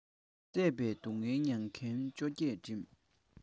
བཙས པའི སྡུག སྔལ མྱལ ཁམས བཅོ བརྒྱད འགྲིམ